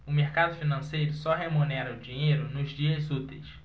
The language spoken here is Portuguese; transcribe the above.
o mercado financeiro só remunera o dinheiro nos dias úteis